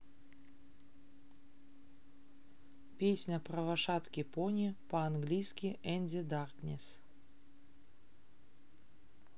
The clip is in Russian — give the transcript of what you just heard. песня про лошадки пони по английски энди darkness